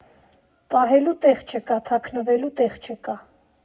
Պահելու տեղ չկա, թաքնվելու տեղ չկա.